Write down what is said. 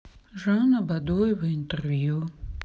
жанна бадоева интервью